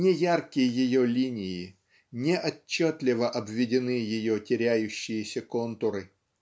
неярки ее линии, неотчетливо обведены ее теряющиеся контуры.